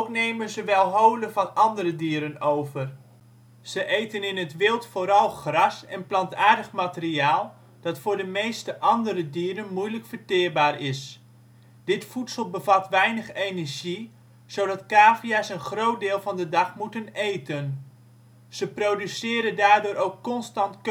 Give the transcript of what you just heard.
nemen ze wel holen van andere dieren over. Ze eten in het wild vooral gras en plantaardig materiaal dat voor de meeste andere dieren moeilijk verteerbaar is. Dit voedsel bevat weinig energie, zodat cavia 's een groot deel van de dag moeten eten. Ze produceren daardoor ook constant